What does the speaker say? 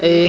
i